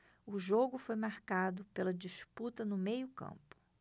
o jogo foi marcado pela disputa no meio campo